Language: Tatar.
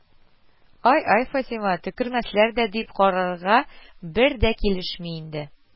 Ай-яй, Фатыйма, «төкермәсләр дә» дип карарга бер дә килешми инде